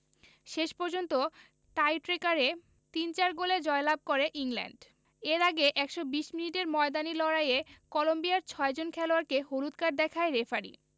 শেষ পর্যন্ত টাইট্রেকারে ৪ ৩ গোলে জয়লাভ করে ইংল্যান্ড এর আগে ১২০ মিনিটের ময়দানি লড়াইয়ে কলম্বিয়ার ছয়জন খেলোয়াড়কে হলুদ কার্ড দেখায় রেফারি